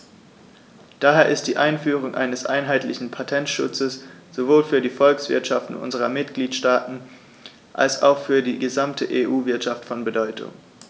Daher ist die Einführung eines einheitlichen Patentschutzes sowohl für die Volkswirtschaften unserer Mitgliedstaaten als auch für die gesamte EU-Wirtschaft von Bedeutung.